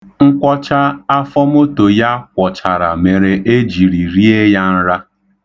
Nkwọcha afọmoto ya kwọchara mere e jiri rie ya nra.